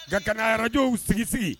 Nka kaga arajw sigi sigi